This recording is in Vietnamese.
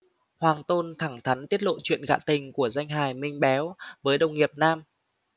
hoàng tôn thẳng thắn tiết lộ chuyện gạ tình của danh hài minh béo với đồng nghiệp nam